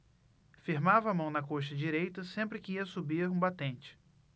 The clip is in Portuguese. firmava a mão na coxa direita sempre que ia subir um batente